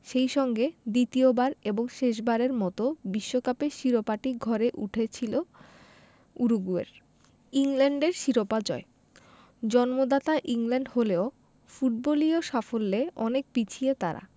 সেই সঙ্গে দ্বিতীয়বার এবং শেষবারের মতো বিশ্বকাপের শিরোপাটি ঘরে উঠেছিল উরুগুয়ের ইংল্যান্ডের শিরোপা জয় জন্মদাতা ইংল্যান্ড হলেও ফুটবলীয় সাফল্যে অনেক পিছিয়ে তারা